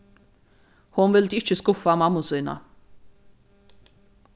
hon vildi ikki skuffa mammu sína